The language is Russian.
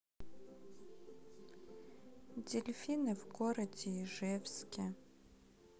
дельфины в городе ижевске